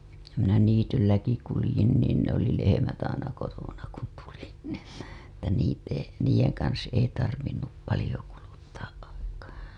minä niitylläkin kuljin niin ne oli lehmät aina kotona kun tulin niin että niitä ei niiden kanssa ei tarvinnut paljon kuluttaa aikaa